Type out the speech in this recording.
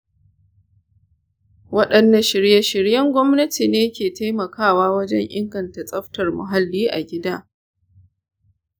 wadanne shirye-shiryen gwamnati ne ke taimakawa wajen inganta tsaftar muhalli a gida?